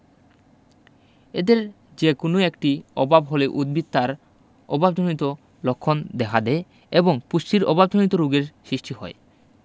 এদের যেকোনো একটি অভাব হলে উদ্ভিদ তার অভাবজনিত লক্ষণ দেখা দেয় এবং পুষ্টির অভাবজনিত রোগের সিষ্টি হয়